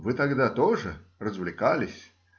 Вы тогда тоже развлекались.